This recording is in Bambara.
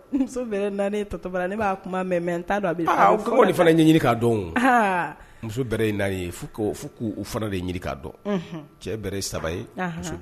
Muso naani tɔto ne b'a kuma mɛ n'a dɔn fana ye ɲini k' dɔn muso ye fo k' uu fɔra de ye k'a dɔn cɛ bɛ saba ye